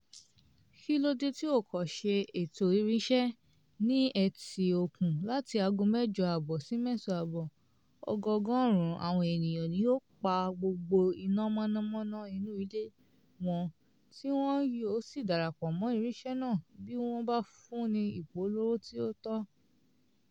Kílódé tí o kò ṣe ètò ìrìnsẹ̀ ní etí òkun láti aago mẹ́jọ àbọ̀ sí mẹ́sàn àbọ̀... Ọgọọgọ̀rùn àwọn ènìyàn ni yóò pa gbogbo iná mọ̀nàmọ́ná inú ilé wọn tí wọn yóò sì darapọ̀ mọ́ ìrìnsẹ̀ náà bí wọ́n bá fún un ní ìpolówó tí ó tó.